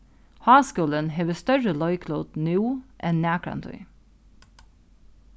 háskúlin hevur størri leiklut nú enn nakrantíð